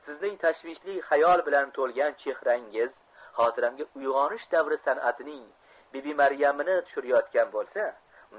sizning tashvishli hayol bilan to'lgan chehrangiz xotiramga uyg'onish davri sanatining bibi maryamini tushirayotgan bo'lsa